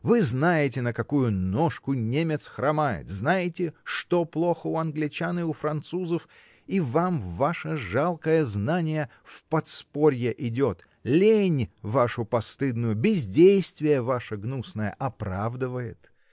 Вы знаете, на какую ножку немец хромает, знаете, что плохо у англичан и у французов, -- и вам ваше жалкое знание в подспорье идет, лень вашу постыдную, бездействие ваше гнусное оправдывает.